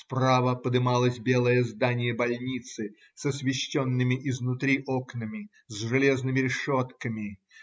Справа подымалось белое здание больницы с освещенными изнутри окнами с железными решетками